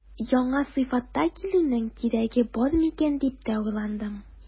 Яңа сыйфатта килүнең кирәге бар микән дип тә уйландым.